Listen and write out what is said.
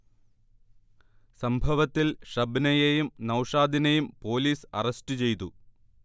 സംഭവത്തിൽ ഷബ്നയേയും നൗഷാദിനേയും പോലീസ് അറസ്റ്റ് ചെയ്തു